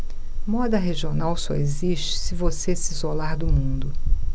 moda regional só existe se você se isolar do mundo